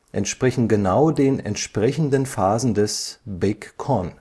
entsprechen genau den entsprechenden Phasen des Big Con